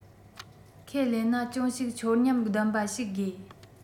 ཁས ལེན ན ཅུང ཞིག མཆོར ཉམས ལྡན པ ཞིག དགོས